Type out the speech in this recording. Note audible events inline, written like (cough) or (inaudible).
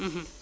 (hesitation) (hesitation)